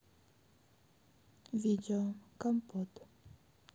видео компот